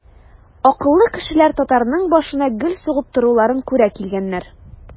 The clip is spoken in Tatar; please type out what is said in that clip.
Акыллы кешеләр татарның башына гел сугып торуларын күрә килгәннәр.